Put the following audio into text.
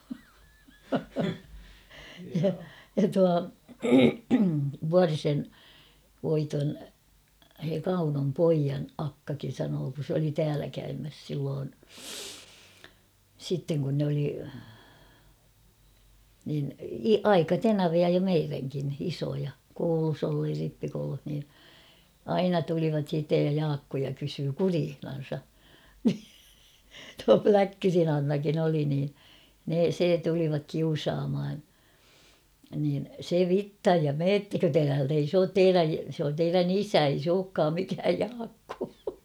ja tuo Vuorisen Voiton se Kaunon pojan akkakin sanoi kun se oli täällä käymässä silloin sitten kun ne oli - aikatenavia jo meidänkin isoja koulussa ollut ja rippikoulussa niin aina tulivat sitten ja Jaakkoa kysyi kureissansa niin tuo Pläkkyrin Annakin oli niin ne se tulivat kiusaamaan niin se vitsan ja menettekö te täältä ei se ole - se on teidän isä ei se olekaan mikään Jaakko